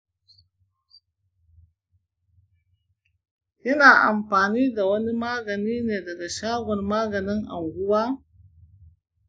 kina amfani da wani magnani ne daga shagon maganin anguwa?